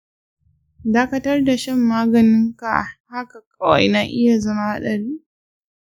dakatar da shan maganinka haka kawai na iya zama haɗari.